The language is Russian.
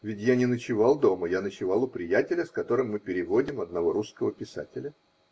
Ведь я не ночевал дома, я ночевал у приятеля, с которым мы переводим одного русского писателя.